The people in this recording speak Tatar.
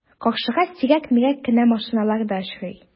Каршыга сирәк-мирәк кенә машиналар да очрый.